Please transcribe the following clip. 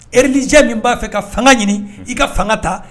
Erlijɛ min b'a fɛ ka fanga ɲini i ka fanga ta